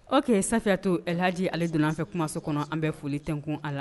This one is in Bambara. Okey Safiyau, Allhaji ,ale donna an fɛ kumaso kɔnɔ an bɛ foli tɛkun a la